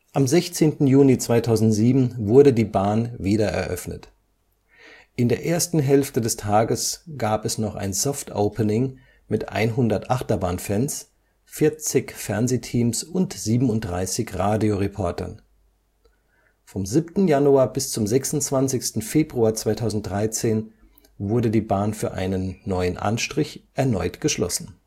Am 16. Juni 2007 wurde die Bahn wiedereröffnet. In der ersten Hälfte des Tages gab es noch ein Soft Opening mit 100 Achterbahnfans, 40 Fernsehteams und 37 Radioreportern. Vom 7. Januar bis zum 26. Februar 2013 wurde die Bahn für einen neuen Anstrich erneut geschlossen